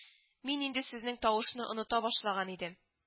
Мин инде сезнең тавышны оныта башлаган идем